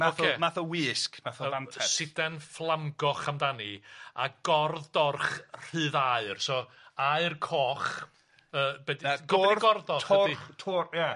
math o math o wisg, fath o mantell. Sidan fflamgoch amdani a gordd dorch rhydd aur, so aur coch yy be' 'di... Na... ia.